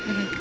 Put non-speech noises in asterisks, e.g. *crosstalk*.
*hesitation* *hesitation*